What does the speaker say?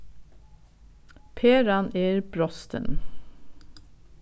peran er brostin